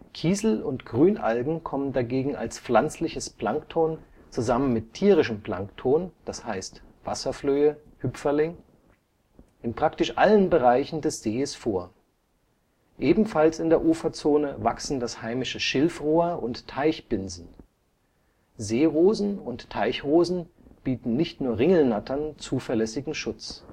Kiesel - und Grünalgen kommen dagegen als pflanzliches Plankton zusammen mit tierischem Plankton (Wasserflöhe, Hüpferling) in praktisch allen Bereichen des Sees vor. Ebenfalls in der Uferzone wachsen das heimische Schilfrohr und Teichbinsen. Seerosen und Teichrosen bieten nicht nur Ringelnattern zuverlässigen Schutz